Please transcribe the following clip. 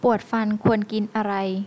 ปวดฟันควรกินอะไร